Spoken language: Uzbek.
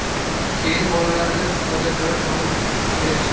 keyin bolalarga supaga joy solib berishdi